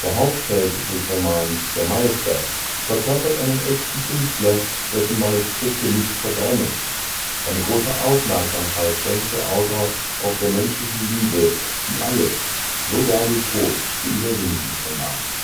Hauptheld des Romans, „ der Meister “, verkörpert einen echten Künstler, dessen „ Manuskripte nicht verbrennen “. Eine große Aufmerksamkeit schenkt der Autor auch der menschlichen Liebe, die alles, sogar den Tod zu überwinden vermag